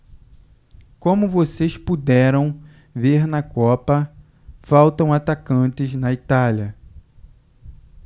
como vocês puderam ver na copa faltam atacantes na itália